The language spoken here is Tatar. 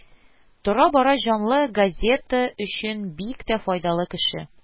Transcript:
Тора-бара җанлы газета өчен бик тә файдалы кеше